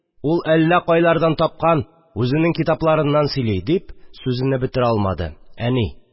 Ул әллә кайлардан тапкан үзенең китапларыннан сөйли, – дип, сүзене бетерә алмады, әни